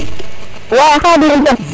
wa Khadim Dione